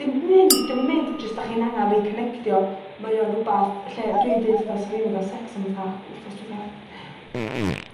Dim mynd dim yn mynd jyst 'dach chi'n angan riconectio mae o'n rwbath lle dwi deud 'tha swn i'm yn ga'l secs am fatha wthnos dwetha